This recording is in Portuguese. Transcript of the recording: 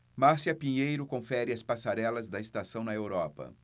márcia pinheiro confere as passarelas da estação na europa